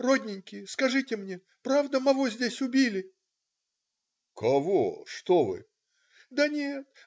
Родненькие, скажите мне, правда, маво здесь убили?" - "Кого? Что вы?" - "Да нет!